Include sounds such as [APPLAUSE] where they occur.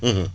[HESITATION] [HESITATION]